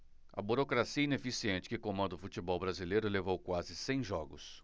a burocracia ineficiente que comanda o futebol brasileiro levou quase cem jogos